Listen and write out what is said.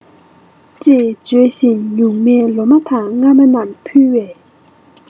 ཅེས བརྗོད བཞིན ཉུང མའི ལོ མ དང རྔ མ རྣམས ཕུལ བས